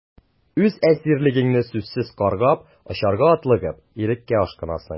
Үз әсирлегеңне сүзсез каргап, очарга атлыгып, иреккә ашкынасың...